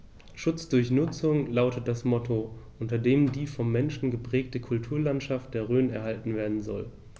„Schutz durch Nutzung“ lautet das Motto, unter dem die vom Menschen geprägte Kulturlandschaft der Rhön erhalten werden soll.